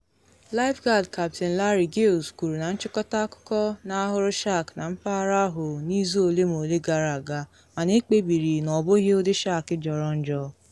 Lifeguard Capt. Larry Giles kwuru na nchịkọta akụkọ na ahụrụ shark na mpaghara ahụ n’izu ole ma ole gara aga, mana ekpebiri na ọ bụghị ụdị shark jọrọ njọ.